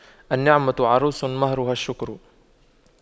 النعمة عروس مهرها الشكر